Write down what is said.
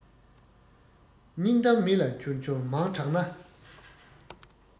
སྙིང གཏམ མི ལ འཆོལ འཆོལ མང དྲགས ན